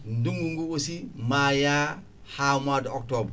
ndungu ngu aussi ma yaa ha mois de ocotobre